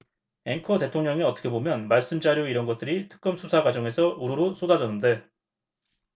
앵커 대통령이 어떻게 보면 말씀자료 이런 것들이 특검 수사 과정에서 우루루 쏟아졌는데